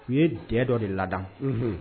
U ye dɛ dɔ de la